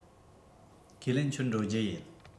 ཁས ལེན ཁྱོད འགྲོ རྒྱུ ཡིན